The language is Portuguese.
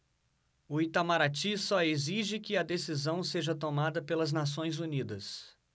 o itamaraty só exige que a decisão seja tomada pelas nações unidas